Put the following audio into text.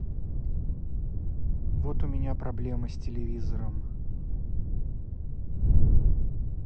вот у меня проблема с телевизором